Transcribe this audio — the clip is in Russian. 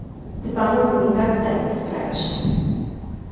ты по моему никогда не справишься